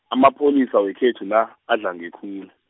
amapholisa wekhethu la, adlange kwenya.